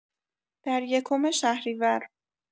در یکم شهریور